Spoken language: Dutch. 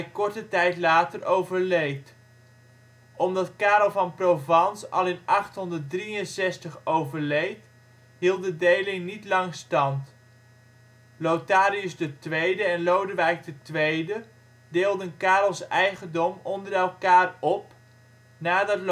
korte tijd later overleed. Omdat Karel van Provence al in 863 overleed hield de deling niet lang stand. Lotharius II en Lodewijk II deelden Karels eigendom onder elkaar op. Nadat